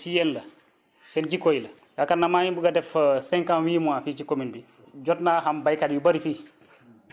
parce que ci yéen la seen jikkó yi la yaakaar naa maa ngi bugg a def cinq ans huit mois fii ci commune :frabi jot naa xam béykat yu bëri fii